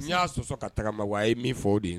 N y'a sɔ ka taga ma wa a ye min fɔ o de ye